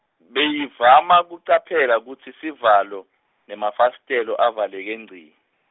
Beyivama kucaphela kutsi sivalo, nemafasitelo avaleke ngci.